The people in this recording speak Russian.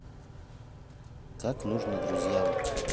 как нужно друзьям к